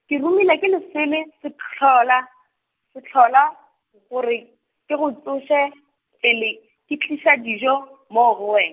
ke romilwe ke Leslie Sehlola, Sehlola, gore ke go tsoše, pele ke tliša dijo, moo go wen-.